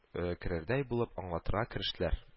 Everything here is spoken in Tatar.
Керердәй булып аңлатырга керештеләр